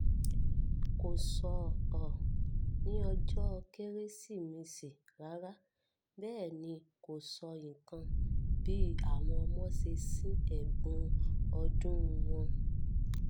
Kò sọ ‘ó’ ní ọjọ́ Kérésìmesì rárá. Bẹ́ẹ̀ ni kò sọ nǹkan bí àwọn ọmọ ṣe ṣí ẹ̀bùn ọdún wọn.”